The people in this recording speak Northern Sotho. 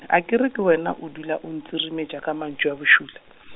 akere ke wena o dula o ntsirimetša ka mantšu a bošula .